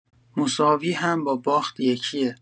مساوی هم با باخت یکیه